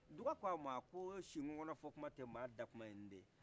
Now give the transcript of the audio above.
duga ko a ma ko si kɔngɔn na fɔ tuma tɛ mɔgɔ da tuman ye nden